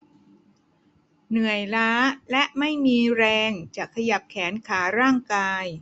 เหนื่อยล้าและไม่มีแรงจะขยับแขนขาร่างกาย